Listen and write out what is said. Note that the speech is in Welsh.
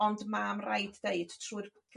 ond ma'n raid deud trw'r